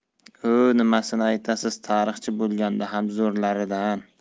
o' nimasini aytasiz tarixchi bo'lganda ham zo'rlaridan